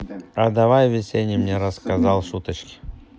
a давай веселей мне рассказал шуточки